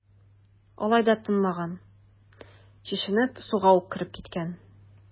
Алай да тынмагач, чишенеп, суга ук кереп киткән.